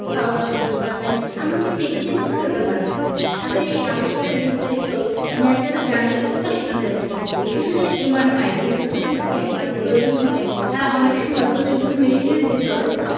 খাওয়া দাওয়া করতে পারবেন এমনকি টেবিল টেনিসও খেলতে পারবেন তাদের এই আবিষ্কারের বিস্তারিত ন্যাচার জার্নালে প্রকাশিত হয়েছে শিশুদের এমআরআই কিংবা সিটিস্ক্যান করার প্রয়োজন হলে তারা অনেক সময় প্রচলিত মেশিনের ভেতর